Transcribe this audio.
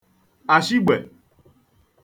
àshigbe